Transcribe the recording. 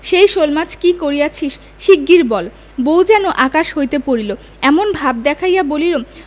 সেই শোলমাছ কি করিয়াছি শীগগীর বল বউ যেন আকাশ হইতে পড়িল এমনি ভাব দেখাইয়া বলিল